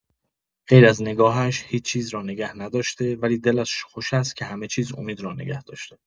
غیراز نگاهش، هیچ‌چیز را نگه نداشته، ولی دلش خوش است که همه‌چیز امید را نگه داشته.